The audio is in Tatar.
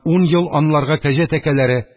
Ун ел анларга кәҗә тәкәләре,